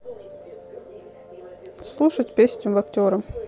слушать песню вахтерам